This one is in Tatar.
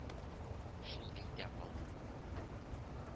Шул әйтә калды: